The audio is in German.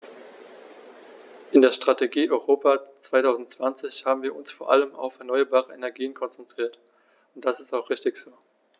In der Strategie Europa 2020 haben wir uns vor allem auf erneuerbare Energien konzentriert, und das ist auch richtig so.